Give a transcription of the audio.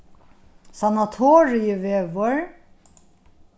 sanatoriivegur